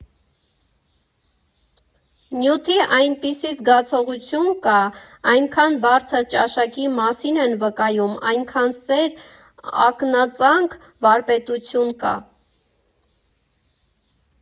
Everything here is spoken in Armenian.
Նյութի այնպիսի զգացողություն կա, այնքան բարձր ճաշակի մասին են վկայում, այնքան սեր, ակնածանք, վարպետություն կա…